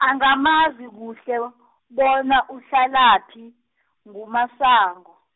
angamazi kuhle, bona uhlalaphi, nguMasango.